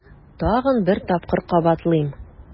Тагын бер тапкыр кабатлыйм: